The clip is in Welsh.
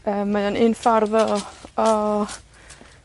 Yym mae o'n un ffordd o o